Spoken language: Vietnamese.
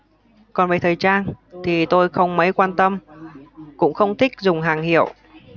còn về thời trang thì tôi không mấy quan tâm cũng không thích dùng hàng hiệu